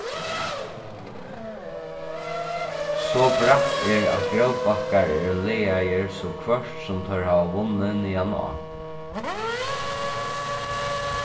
so bratt er at grótbakkar eru lagaðir so hvørt sum teir hava vunnið niðaná